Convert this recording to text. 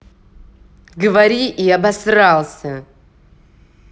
говори и обосрался